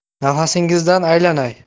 nafasingizdan aylanay